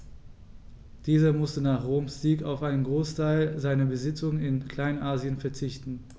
Dieser musste nach Roms Sieg auf einen Großteil seiner Besitzungen in Kleinasien verzichten.